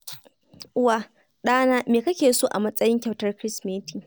Uwa: ɗana, me kake so a matsayin kyautar Kirsimeti?